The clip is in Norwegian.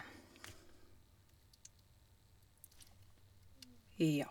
Ja.